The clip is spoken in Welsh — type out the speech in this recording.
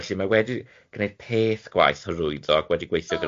Felly, mae wedi gneud peth gwaith hyrwyddo ac wedi gweithio gyda'r